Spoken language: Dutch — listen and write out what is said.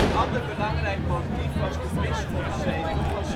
ander belangrijk motief was de bisschopszetel van